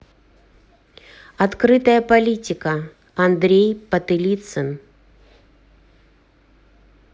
открытая политика андрей потылицын